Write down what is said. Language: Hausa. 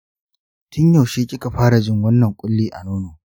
tun yaushe kika fara jin wannan ƙulli a nono?